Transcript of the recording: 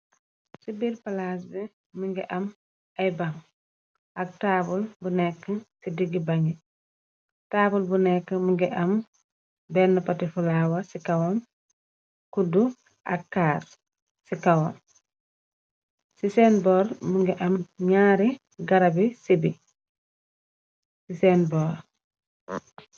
Si biir palaas bi mogi am ay ban ak taabul bu nekk ci diggi bangi taabul bu neka mogi am bena poti flower si kawam kuddu ak caas ci kawam ci seen bor mu ngi am ñaari garabi si bi ci seen bor.